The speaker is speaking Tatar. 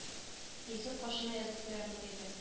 Йөзек кашына язып куярлык иде